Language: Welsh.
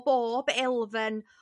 bob elfen